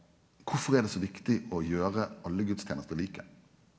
kvifor er det så viktig å gjere alle gudstenester like?